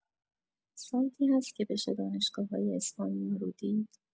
سایتی هست که بشه دانشگاه‌‌های اسپانیا رو دید؟